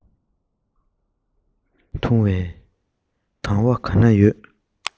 འཐུང བའི དང བ ག ན ཡོད